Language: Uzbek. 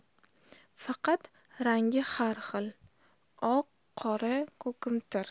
faqat rangi har xil oq qora ko'kimtir